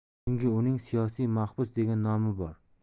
chunki uning siyosiy mahbus degan nomi bor